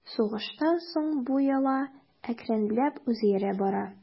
Сугыштан соң бу йола әкренләп үзгәрә бара.